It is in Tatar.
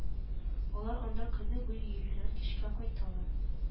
Алар анда көне буе йөриләр кичкә кайталар